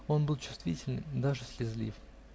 Он был чувствителен и даже слезлив.